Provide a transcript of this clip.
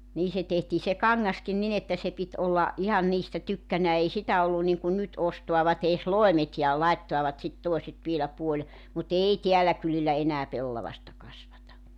niin se tehtiin se kangaskin niin että se piti olla ihan niistä tykkänään ei sitä ollut niin kuin nyt ostavat edes loimet ja laittavat sitten toiset vielä - mutta ei täällä kylillä enää pellavaista kasvata